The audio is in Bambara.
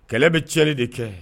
Kɛlɛ bɛ cɛli de kɛ